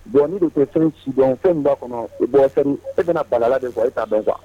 Jɔ tɛ fɛn su fɛn ba kɔnɔ e bɛna balala de wa i ka bɛn kuwa